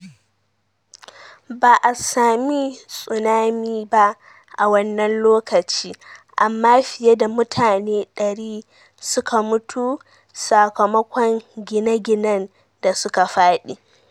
Ba a sami tsunami ba a wannan lokaci, amma fiye da mutane 100 suka mutu sakamakon gine-ginen da suka fadi.